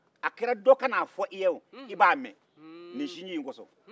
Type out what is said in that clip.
a kɛra dɔ ka na f'i o i b'a mɛn nin sinji in kɔsɔn